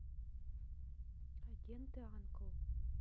агенты анкл